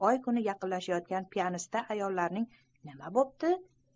oy kuni yaqinlashgan piyanista ayollarning nima bo'pti